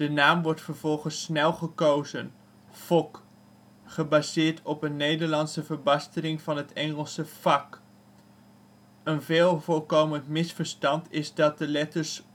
naam wordt vervolgens snel gekozen; FOK!, gebaseerd op een Nederlandse verbastering van het Engelse fuck. Een veel voorkomend misverstand is dat de letters